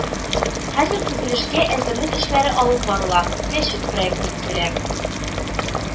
Хәзер төзелешкә әзерлек эшләре алып барыла, мәчет проекты төзелә